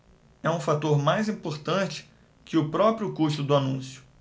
é um fator mais importante que o próprio custo do anúncio